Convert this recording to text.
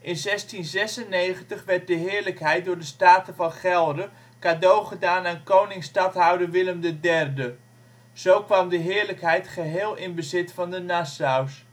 In 1696 werd de Heerlijkheid door de Staten van Gelre cadeau gedaan aan koning-stadhouder Willem III. Zo kwam de heerlijkheid geheel in bezit van de Nassaus.